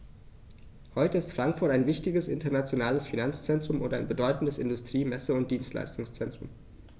Heute ist Frankfurt ein wichtiges, internationales Finanzzentrum und ein bedeutendes Industrie-, Messe- und Dienstleistungszentrum.